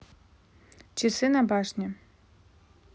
часы на башне